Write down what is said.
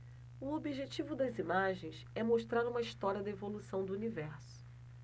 o objetivo das imagens é mostrar uma história da evolução do universo